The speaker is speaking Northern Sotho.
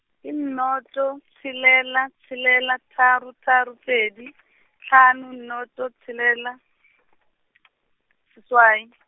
ke noto, tshelela tshelela tharo tharo pedi, hlano noto tshelela , seswai.